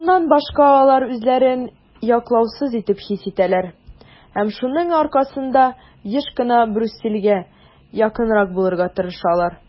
Шуннан башка алар үзләрен яклаусыз итеп хис итәләр һәм шуның аркасында еш кына Брюссельгә якынрак булырга тырышалар.